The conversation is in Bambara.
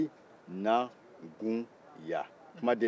si na kun ya